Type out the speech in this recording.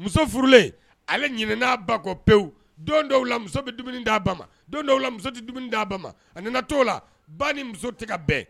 Muso furulen ale ɲin'a bakɔ pewu don dɔw la muso bɛ dumuni d'a ba don dɔw la muso di dumuni d'a ba a nana to o la ba ni muso tigɛ ka bɛn